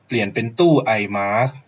เปลี่ยนเป็นตู้ไอมาส